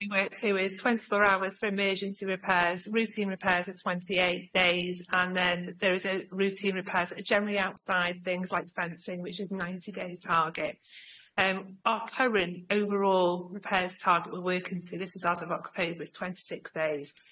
We work to is twenty four hours for emergency repairs routine repairs are twenty eight days and then there is a routine repairs generally outside things like fencing which is ninety day target. Yym our current overall repairs target we're working to this is as of October is twenty six days.